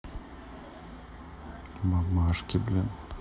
мамашки блин